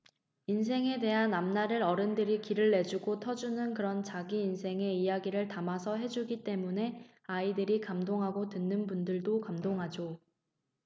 인생에 대한 앞날을 어른들이 길을 내주고 터주는 그런 자기 인생의 이야기들을 담아서 해주기 때문에 아이들이 감동하고 듣는 분들도 감동하죠